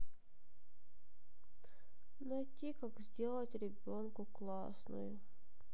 найти как сделать ребенку классную